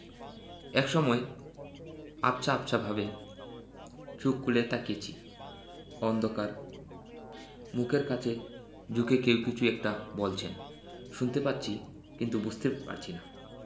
একসময় আবছা আবছাভাবে চোখ খুলে তাকিয়েছি অন্ধকার মুখের কাছে ঝুঁকে কেউ কিছু একটা বলছেন শুনতে পাচ্ছি কিন্তু বুঝতে পারছি না